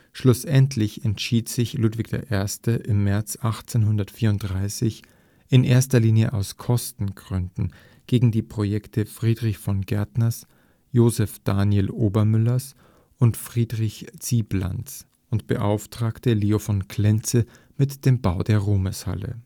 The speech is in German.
Schlussendlich entschied sich Ludwig I. im März 1834, in erster Linie aus Kostengründen, gegen die Projekte Friedrich von Gärtners, Joseph Daniel Ohlmüllers und Friedrich Zieblands und beauftragte Leo von Klenze mit dem Bau der Ruhmeshalle